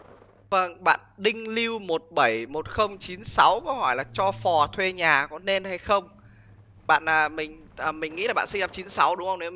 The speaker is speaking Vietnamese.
vâng bạn đinh lưu một bảy một không chín sáu có hỏi là cho phò thuê nhà có nên hay không bạn à mình à mình nghĩ là bạn sinh năm chín sáu đúng không nếu